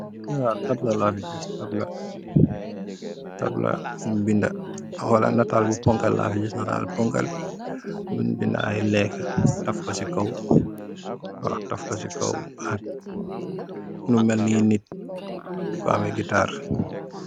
Ab tabla, laa fi gis. Tabla buñg binda. Wala nataal bu pooñgkal laa fi gis, nataal bu pooñgkal. Buñg binda ay leeka, taf ko si kow. Ak nu melni nit bu ame gitaar.